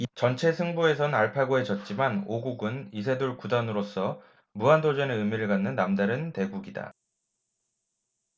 전체 승부에선 알파고에 졌지만 오 국은 이세돌 아홉 단으로서 무한도전의 의미를 갖는 남다른 대국이다